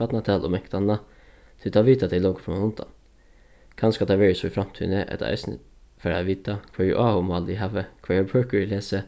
barnatal og mangt annað tí tað vita tey longu frammanundan kanska tað verður so í framtíðini at tað eisini fara at vita hvørji áhugamál eg havi hvørjar bøkur eg lesi